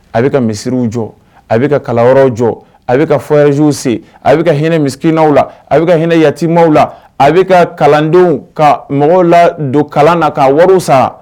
A bɛ ka misiw jɔ a bɛ ka kalanyɔrɔw jɔ a bɛ ka fɔrezw sen a bɛ ka hinɛ misiinaw la a bɛ ka hinɛ yatima la a bɛ ka kalandenw ka mɔgɔw la don kalan na ka wari sa